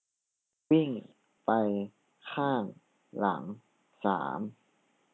วิ่งไปข้างหลังสาม